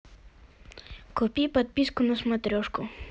купи подписку на смотрешку